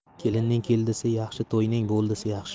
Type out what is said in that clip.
kelinning keldisi yaxshi to'yning bo'ldisi yaxshi